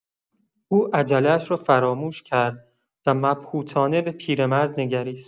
او عجله‌اش را فراموش کرد و مبهوتانه به پیرمرد نگریست.